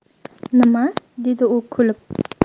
nima dedi u kulib